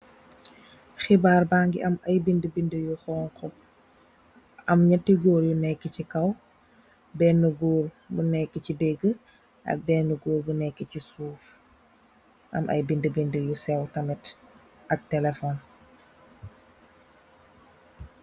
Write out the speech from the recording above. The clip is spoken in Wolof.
Xibarr ba ngi am ay bindi bindi yu xonxu am ñetti gór nekka ci kaw benna gór bu nekka ci digg ak benna gór bu nekka ci suuf. Am ay bindi bindi yu séw tamid ak telephone.